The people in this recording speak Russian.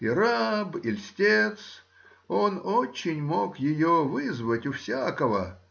и раб и льстец — он очень мог ее вызвать у всякого.